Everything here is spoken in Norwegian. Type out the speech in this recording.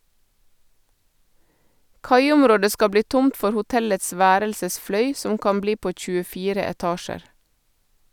Kaiområdet skal bli tomt for hotellets værelsesfløy, som kan bli på 24 etasjer.